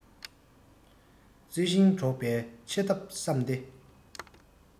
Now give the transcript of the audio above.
བརྩེ ཞིང འགྲོགས པའི ཕྱི ཐག བསམ སྟེ